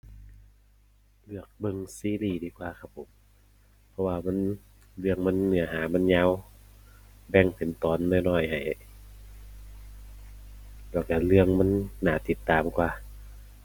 เลือกเบิ่งซีรีส์ดีกว่าครับผม เพราะว่ามัน เรื่องมัน เนื้อหามันยาว แบ่งเป็นตอนน้อยน้อยให้ แล้วก็เรื่องมันน่าติดตามกว่า